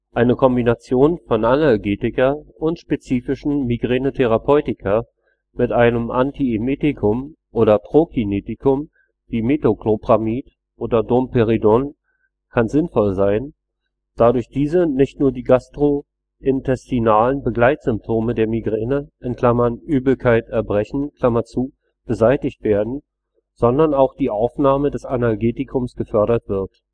Eine Kombination von Analgetika oder spezifischen Migränetherapeutika mit einem Antiemetikum oder Prokinetikum wie Metoclopramid oder Domperidon kann sinnvoll sein, da durch diese nicht nur die gastrointestinalen Begleitsymptome der Migräne (Übelkeit, Erbrechen) beseitigt werden, sondern auch die Aufnahme des Analgetikums gefördert wird